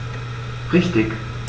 Richtig